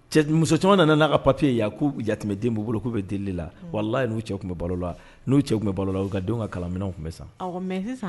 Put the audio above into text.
Cɛ muso caman nana n'a ka papier ye yan ko yatimɛden b'u bolo k'u bɛ delili la, unhun, walahi n'u cɛw tun bɛ balo la, n'u cɛ tun bɛ balo la u ka denw ka kalanminɛnw tun bɛ san, awɔ mais sisan